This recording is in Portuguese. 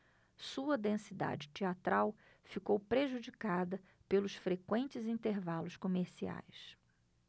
sua densidade teatral ficou prejudicada pelos frequentes intervalos comerciais